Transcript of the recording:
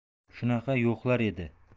shunaqa yo'qlar edi